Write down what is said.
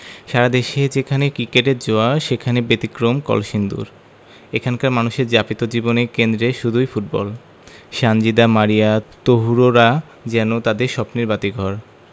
সারা দেশে যেখানে ক্রিকেটের জোয়ার সেখানে ব্যতিক্রম কলসিন্দুর এখানকার মানুষের যাপিত জীবনের কেন্দ্রে শুধুই ফুটবল সানজিদা মারিয়া তহুরারা যেন তাদের স্বপ্নের বাতিঘর